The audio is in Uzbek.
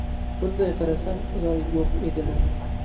bunday qarasam ular yo'q edilar